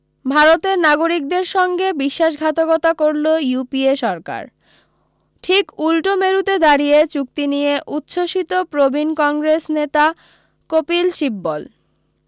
ভারতের নাগরিকদের সঙ্গে বিশ্বাসঘাতকতা করল ইউপিএ সরকার ঠিক উল্টো মেরুতে দাঁড়িয়ে চুক্তি নিয়ে উচ্ছ্বসিত প্রবীণ কংগ্রেস নেতা কপিল সিব্বল